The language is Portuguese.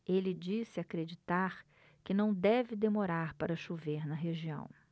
ele disse acreditar que não deve demorar para chover na região